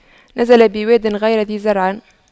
نزل بواد غير ذي زرع